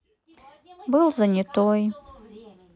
был занятой